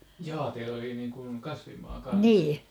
jaa teillä oli niin kuin kasvimaa kanssa